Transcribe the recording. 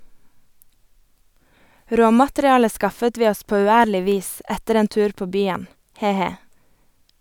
Råmaterialet skaffet vi oss på uærlig vis etter en tur på byen, he he.